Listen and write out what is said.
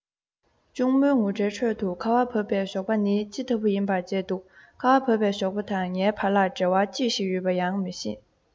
གཅུང མོའི ངུ སྒྲའི ཁྲོད དུ ཁ བ བབས པའི ཞོགས པ ནི ཅི ལྟ བུར ཡིན པ བརྗེད འདུག ཁ བ བབས པའི ཞོགས པ དང ངའི བར ལ འབྲེལ བ ཅི ཞིག ཡོད པ ཡང མ ཤེས